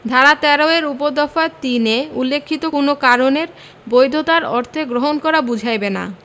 ধারা ১৩ এর উপ ধারা ৩ এ উল্লেখিত কোন কারণের বৈধতার অর্থে গ্রহণ করা বুঝাইবে না